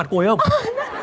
cô ấy hông